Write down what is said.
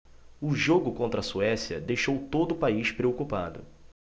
o jogo contra a suécia deixou todo o país preocupado